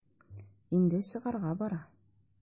Инде чыгарга бара.